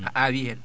a awiheen